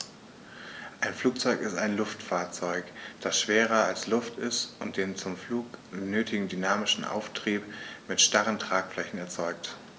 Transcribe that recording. Ein Flugzeug ist ein Luftfahrzeug, das schwerer als Luft ist und den zum Flug nötigen dynamischen Auftrieb mit starren Tragflächen erzeugt.